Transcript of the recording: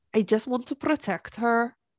"I just want to protect her."